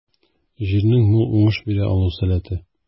Җирнең мул уңыш бирә алу сәләте.